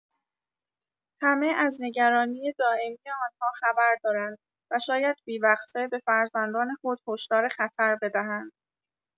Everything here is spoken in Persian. همه از نگرانی دائمی آن‌ها خبر دارند و شاید بی‌وقفه به فرزندان خود هشدار خطر بدهند.